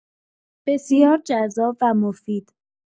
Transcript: بسیار جذاب و مفید